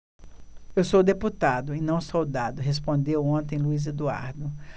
eu sou deputado e não soldado respondeu ontem luís eduardo